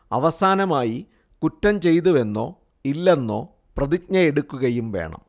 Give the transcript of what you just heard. അവസാനമായി കുറ്റം ചെയ്തുവെന്നോ ഇല്ലെന്നോ പ്രതിജ്ഞയെടുക്കുകയും വേണം